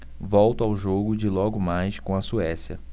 volto ao jogo de logo mais com a suécia